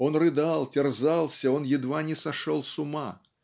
он рыдал, терзался, он едва не сошел с ума